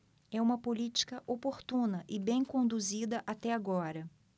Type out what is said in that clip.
é uma política oportuna e bem conduzida até agora